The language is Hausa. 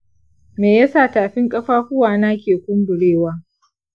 me yasa tafin ƙafafuwa na ke kumburewa?